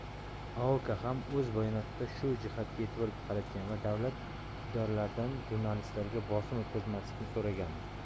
aoka ham o'z bayonotida shu jihatga e'tibor qaratgan va davlat idoralaridan jurnalistlarga bosim o'tkazmaslikni so'ragandi